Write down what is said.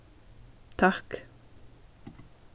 takk